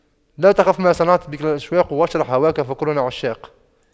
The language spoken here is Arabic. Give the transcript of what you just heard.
لا تخف ما صنعت بك الأشواق واشرح هواك فكلنا عشاق